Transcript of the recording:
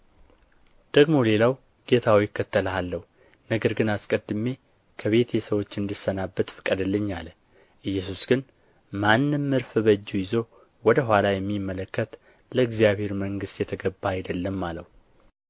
ደግሞ ሌላው ጌታ ሆይ እከተልሃለሁ ነገር ግን አስቀድሜ ከቤቴ ሰዎች እንድሰናበት ፍቀድልኝ አለ ኢየሱስ ግን ማንም ዕርፍ በእጁ ይዞ ወደ ኋላ የሚመለከት ለእግዚአብሔር መንግሥት የተገባ አይደለም አለው